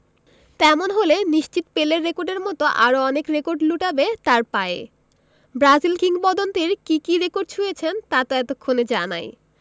তেমন হলে নিশ্চিত পেলের রেকর্ডের মতো আরও অনেক রেকর্ড লুটাবে তাঁর পায়ে ব্রাজিল কিংবদন্তির কী কী রেকর্ড ছুঁয়েছেন তা তো এতক্ষণে জানাই